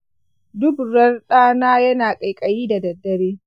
duburar ɗana yana ƙaiƙayi da daddare.